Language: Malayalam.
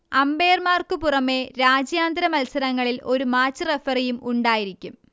അമ്പയർമാർക്കു പുറമേ രാജ്യാന്തര മത്സരങ്ങളിൽ ഒരു മാച്ച് റഫറിയും ഉണ്ടായിരിക്കും